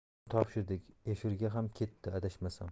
uni topshirdik efirga ham ketdi adashmasam